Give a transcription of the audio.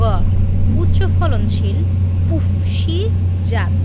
গ উচ্চফলনশীল উফশী জাতঃ